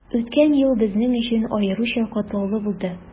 Үткән ел безнең өчен аеруча катлаулы булды.